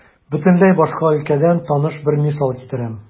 Бөтенләй башка өлкәдән таныш бер мисал китерәм.